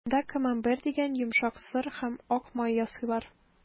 Монда «Камамбер» дигән йомшак сыр һәм ак май ясыйлар.